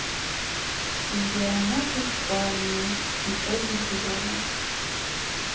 чемпионат испании итоги сезона